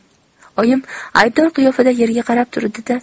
oyim aybdor qiyofada yerga qarab turdi da